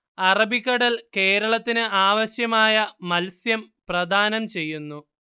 അറബിക്കടൽ കേരളത്തിന് ആവശ്യമായ മത്സ്യം പ്രദാനം ചെയ്യുന്നു